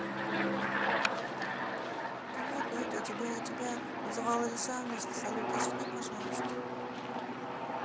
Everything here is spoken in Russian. да нет нет я тебя я тебя называла лиса вместо салюта извини пожалуйста